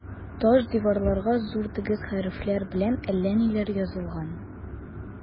Таш диварларга зур дегет хәрефләр белән әллә ниләр язылган.